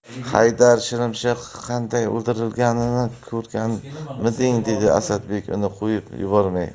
haydar shilimshiq qanday o'ldirilganini ko'rganmiding dedi asadbek uni qo'yib yubormay